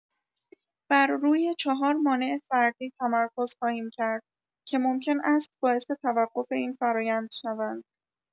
بر روی چهار مانع فردی تمرکز خواهیم کرد که ممکن است باعث توقف این فرایند شوند.